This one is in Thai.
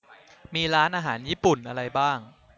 มีร้านอาหารญี่ปุ่นอะไรบ้าง